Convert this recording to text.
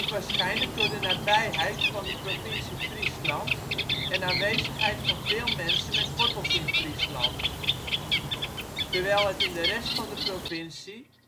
waarschijnlijk door de nabijheid van de provincie Friesland en aanwezigheid van veel mensen met wortels in Friesland. Terwijl het in de rest van de provincie